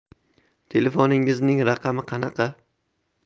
telefoningizning raqami qanaqa